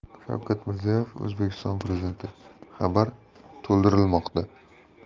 shavkat mirziyoyev o'zbekiston prezidentixabar to'ldirilmoqda